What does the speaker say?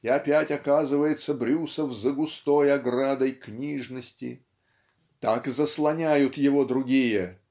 и опять оказывается Брюсов за густой оградой книжности. Так заслоняют его другие